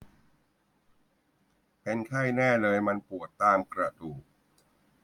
เป็นไข้แน่เลยมันปวดตามกระดูก